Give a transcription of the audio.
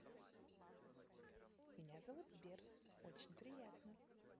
меня зовут сбер очень приятно